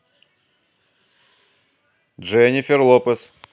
дженнифер лопес